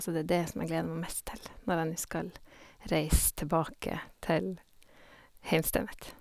Så det er det som jeg gleder meg mest til når jeg nu skal reise tilbake til heimstedet mitt.